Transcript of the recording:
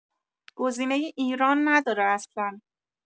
گزینۀ ایران نداره اصلا